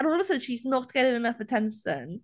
and all of a sudden, she's not getting enough attention.